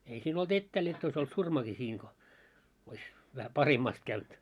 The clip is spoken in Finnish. ei siinä ollut etäällä jotta olisi ollut surmakin siinä kun olisi vähän pahemmasti käynyt